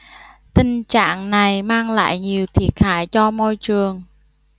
tình trạng này mang lại nhiều thiệt hại cho môi trường